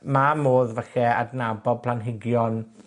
Ma' modd falle adnabod planhigion